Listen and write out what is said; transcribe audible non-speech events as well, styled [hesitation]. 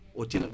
[hesitation] [hesitation]